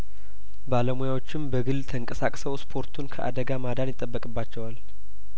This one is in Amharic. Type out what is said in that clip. ባለሙያዎችም በግል ተንቀሳቅሰው ስፖርቱን ከአደጋ ማዳን ይጠበቅባቸዋል